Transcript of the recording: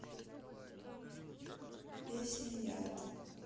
песня яд